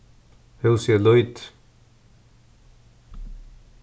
húsið er lítið